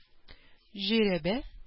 Жирәбә